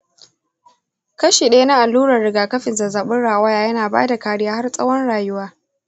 kashi daya na allurar rigakafin zazzabin rawaya yana bada kariya har tsawon rayuwa.